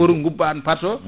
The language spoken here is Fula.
pour gubban *